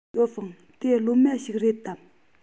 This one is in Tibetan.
ཞའོ ཧྥུང དེ སློབ མ ཞིག རེད དམ